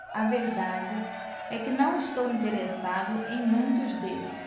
a verdade é que não estou interessado em muitos deles